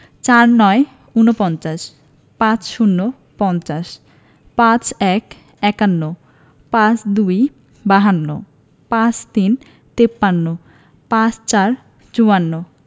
৪৯ – উনপঞ্চাশ ৫০ - পঞ্চাশ ৫১ – একান্ন ৫২ - বাহান্ন ৫৩ - তিপ্পান্ন ৫৪ - চুয়ান্ন